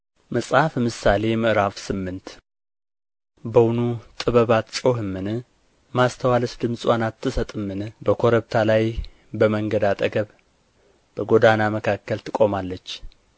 መጽሐፈ ምሳሌ ምዕራፍ ስምንት በውኑ ጥበብ አትጮኽምን ማስተዋልስ ድምፅዋን አትሰጥምን በኮረብታ ላይ በመንገድ አጠገብ በጎዳና መካከል ትቆማለች